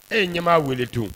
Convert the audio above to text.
E ye ɲɛmaa wele tun